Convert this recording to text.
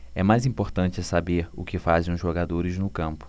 é mais importante saber o que fazem os jogadores no campo